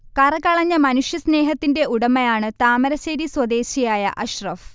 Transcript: കറകളഞ്ഞ മനുഷ്യ സ്നേഹത്തിന്റെ ഉടമയാണ് താമരശേരി സ്വദേശിയായ അഷ്റഫ്